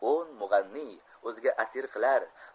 o'n mug'anniy o'ziga asir qilar